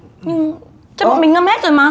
nhưng chân bọn mình ngâm hết rồi mà